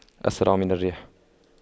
أسرع من الريح